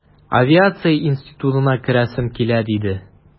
Авиация институтына керәсем килә, диде...